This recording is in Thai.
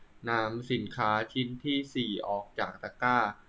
นำสินค้าชิ้นที่สี่ออกจากตะกร้า